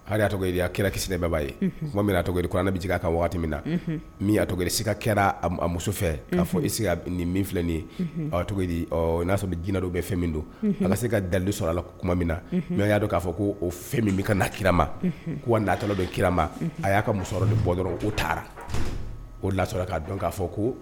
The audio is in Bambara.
Hali' tɔgɔ a kɛra ki' ye ko bɛ ka waati min na min a to si ka kɛra muso fɛ'a fɔ ise nin min filɛ ye n y'a sɔrɔ d jinɛina dɔw bɛ fɛn min don ala se ka dali sɔrɔ a tuma min na mɛ y'a dɔn'a fɔ ko o fɛn min bɛ ka na kirama' nata bɛ kirama a y'a ka muso bɛ bɔ dɔrɔn o taara o lasɔrɔ k'a dɔn k'a fɔ ko